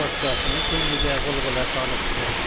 o'z podshosini ko'ngliga g'ulg'ula solibdi